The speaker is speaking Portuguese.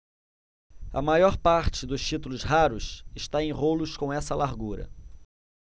a maior parte dos títulos raros está em rolos com essa largura